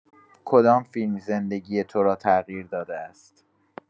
کدام فیلم زندگی تو را تغییر داده است؟